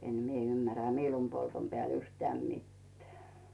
en minä ymmärrä miilunpolton päälle yhtään mitään